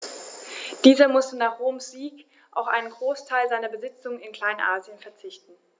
Dieser musste nach Roms Sieg auf einen Großteil seiner Besitzungen in Kleinasien verzichten.